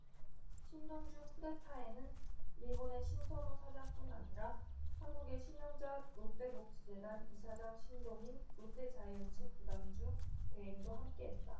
신동주 쿠데타에는 일본의 신선호 사장뿐 아니라 한국의 신영자 롯데복지재단 이사장 신동인 롯데자이언츠 구단주 대행도 함께했다